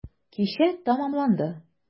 Кичә тәмамланды.